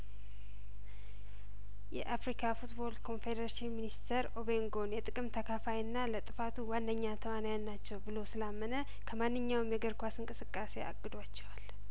የአፍሪካ ፉትቦል ኮንፌዴሬሽን ሚኒስትር ኦቢንጐን የጥቅም ተካፋይና ለጥፋቱ ዋነኛ ተዋንያን ናቸው ብሎ ስላመነ ከማንኛውም የእግር ኳስ እንቅስቃሴ አግዷቸዋል